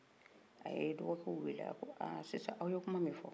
a ye dɔgɔkɛw wele a ko sisan aw ye kuma min fɔ